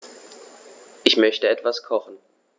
Ich möchte etwas kochen.